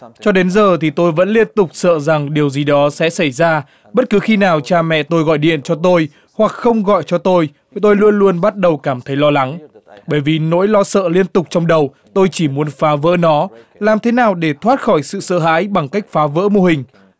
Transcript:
cho đến giờ thì tôi vẫn liên tục sợ rằng điều gì đó sẽ xảy ra bất cứ khi nào cha mẹ tôi gọi điện cho tôi hoặc không gọi cho tôi tôi luôn luôn bắt đầu cảm thấy lo lắng bởi vì nỗi lo sợ liên tục trong đầu tôi chỉ muốn phá vỡ nó làm thế nào để thoát khỏi sự sợ hãi bằng cách phá vỡ mô hình